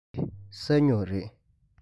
འདི སྨྱུ གུ རེད